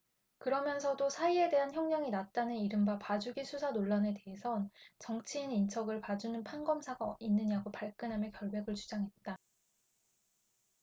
그러면서도 사위에 대한 형량이 낮다는 이른바 봐주기 수사 논란에 대해선 정치인 인척을 봐주는 판검사가 있느냐고 발끈하며 결백을 주장했다